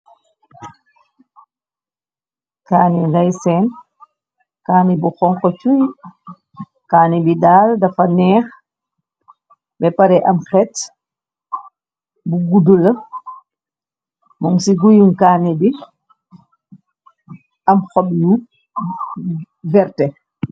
Kaani gay seen kanni bu xonko chur kanni bi daal dafa neex bepare am xeet bu guddula moon ci guyun kanni bi am xob yu verte.